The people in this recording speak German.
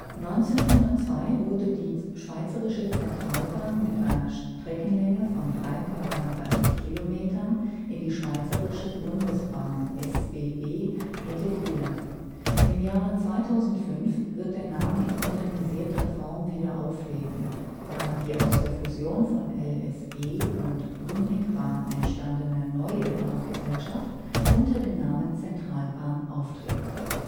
1902 wurde die Schweizerische Centralbahn mit einer Streckenlänge von 333 Kilometern in die Schweizerische Bundesbahnen (SBB) integriert. Im Jahre 2005 wird der Name in modernisierter Form wieder aufleben, da die aus der Fusion von LSE und Brünigbahn entstandene neue Bahngesellschaft unter dem Namen Zentralbahn auftreten wird